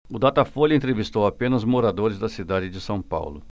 o datafolha entrevistou apenas moradores da cidade de são paulo